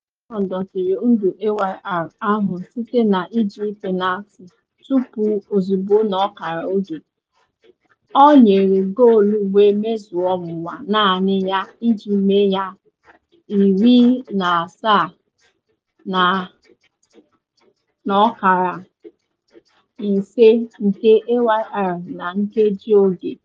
Climo dọtịrị ndu Ayr ahụ site na iji penalti, tupu, ozugbo n’ọkara oge, ọ nyere goolu wee mezuo ọnwụnwa naanị ya iji mee ya 17-5 nke Ayr na nkejioge.